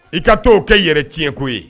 I ka t kɛ yɛrɛ tiɲɛko ye